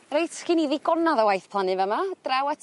Reit gin i ddigonadd o waith plannu fy' 'ma draw at...